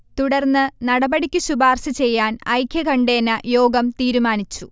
തുടർന്ന് നടപടിക്ക് ശുപാർശ ചെയ്യാൻ ഐക്യകണ്ഠ്യേന യോഗം തീരുമാനിച്ചു